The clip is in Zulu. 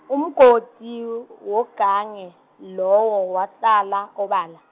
umgodi wogange lowo wahlala obala.